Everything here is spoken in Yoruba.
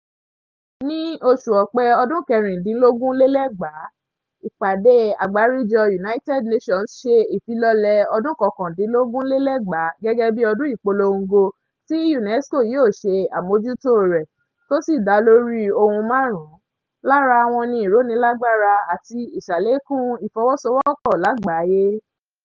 Ní December 2016, ìpàdé àgbáríjọ United Nations ṣe ifilọ́lè ọdun 2019 gẹ́gẹ́ bí ọdún ipolongo tí UNESCO yóò ṣe àmójútó rẹ̀ tó sì dá lórí ohun márùn-ùn, lára wọn ni ìrónilágbára àti ìṣàlékún ìfọwọ́sowọ́pọ̀ lágbàáyé.